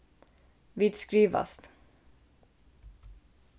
vit skrivast